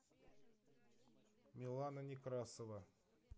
милана некрасова